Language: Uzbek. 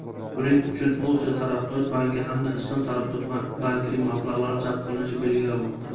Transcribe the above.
buning uchun osiyo taraqqiyot banki hamda islom taraqqiyot bankining mablag'lari jalb qilinishi belgilanmoqda